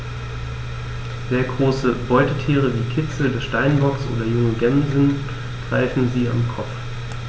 Sehr große Beutetiere wie Kitze des Steinbocks oder junge Gämsen greifen sie am Kopf.